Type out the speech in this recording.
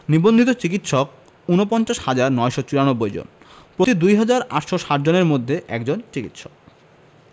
নিবন্ধিত চিকিৎসক ৪৯হাজার ৯৯৪ জন প্রতি ২হাজার ৮৬০ জনের জন্য একজন চিকিৎসক